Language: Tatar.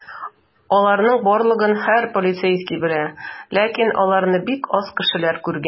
Аларның барлыгын һәр полицейский белә, ләкин аларны бик аз кешеләр күргән.